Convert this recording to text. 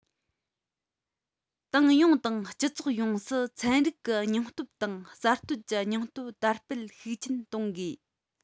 ༄༅ ཏང ཡོངས དང སྤྱི ཚོགས ཡོངས སུ ཚན རིག གི སྙིང སྟོབས དང གསར གཏོད ཀྱི སྙིང སྟོབས དར སྤེལ ཤུགས ཆེན གཏོང དགོས